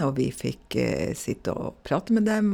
Og vi fikk sitte og prate med dem.